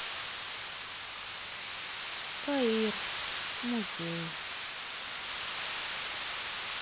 каир музей